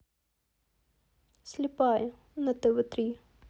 слепая на тв три